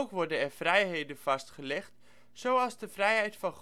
worden er vrijheden vastgelegd, zoals de vrijheid van